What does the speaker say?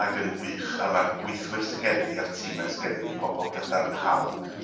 ag yn wych a ma'r gweithiwr sy gennon ni a'r time sgennon ni'n bobol gadarnhaol